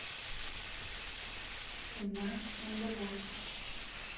семнадцать мандавошек